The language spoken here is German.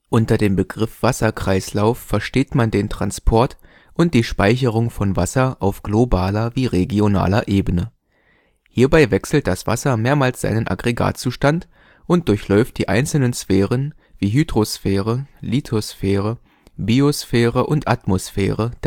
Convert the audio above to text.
Unter dem Begriff Wasserkreislauf versteht man den Transport und die Speicherung von Wasser auf globaler wie regionaler Ebene. Hierbei wechselt das Wasser mehrmals seinen Aggregatzustand und durchläuft die einzelnen Sphären wie Hydrosphäre, Lithosphäre, Biosphäre und Atmosphäre der Erde. Die